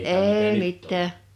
ei mitään